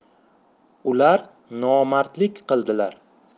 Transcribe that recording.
ular nomardlik qildilar